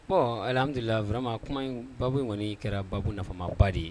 Bon . alihamdulilahi . vraiment . kuma in baabu kɔni kɛra kuma nafama ba de ye.